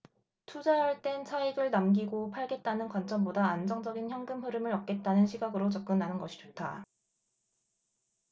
투자할 땐 차익을 남기고 팔겠다는 관점보다 안정적인 현금흐름을 얻겠다는 시각으로 접근하는 것이 좋다